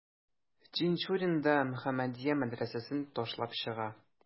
Тинчурин да «Мөхәммәдия» мәдрәсәсен ташлап чыга.